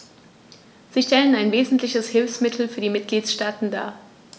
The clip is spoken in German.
Sie stellen ein wesentliches Hilfsmittel für die Mitgliedstaaten dar.